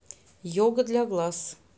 йога для глаз